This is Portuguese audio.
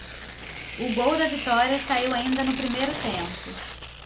o gol da vitória saiu ainda no primeiro tempo